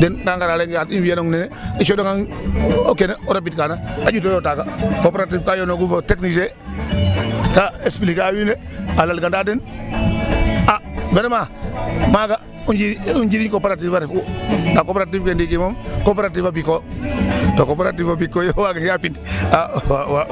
Den ga ngara layonge xan i mbi'anong nene i cooxangang kene o rabid kaana a ƴutoyo taaga cooperative ka yoonoogu fo technicien ta expliquer a wiin we a lalganda den a vraiment maaga o njiriñ coopérative a refu. Ndaa cooperative ke ndiki moom coopérative a bic o to coopérative a bic koy o wagangee a pind a